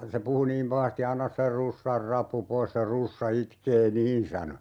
se puhui niin pahasti anna se russan rappu pois se russa itkee niin sanoi